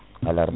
alarba